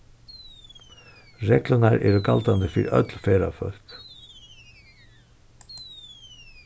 reglurnar eru galdandi fyri øll ferðafólk